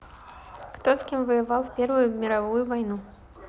кто с кем воевал в первую мировую войну